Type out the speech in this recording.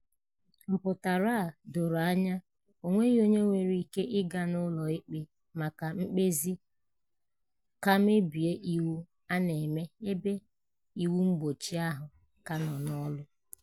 Mpụtara nke a doro anya — o nweghị onye nwere ike ịga n'ụlọ ikpe maka mkpezi ka mmebi iwu a na-eme ebe iwu mgbochi ahụ ka nọ n'ọrụ.